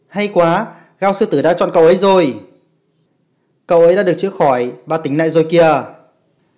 hay quá gao sư tử đã chọn cậu ấy rồi cậu ấy đã được chữa khỏi và tỉnh lại rồi kìa